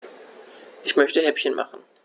Ich möchte Häppchen machen.